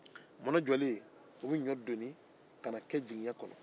mɔnɔ jɔlen u bɛ ɲɔ doni kana kɛ jigiɲɛ kɔnɔ